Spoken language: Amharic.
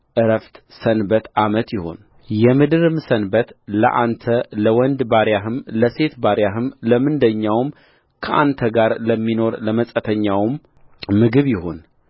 ዕረፍት ሰንበት ዓመት ይሁንየምድርም ሰንበት ለአንተ ለወንድ ባሪያህም ለሴት ባሪያህም ለምንደኛውም ከአንተ ጋር ለሚኖር ለመጻተኛም ምግብ ይሁን